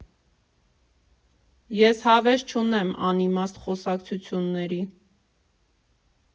Ես հավես չունեմ անիմաստ խոսակցությունների…